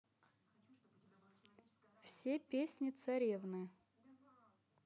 все песни царевны